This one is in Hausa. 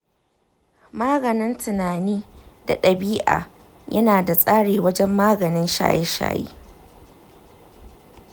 maganin tunani da ɗabi’a yana da tasiri wajen maganin shaye-shaye.